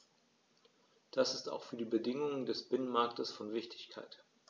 Das ist auch für die Bedingungen des Binnenmarktes von Wichtigkeit.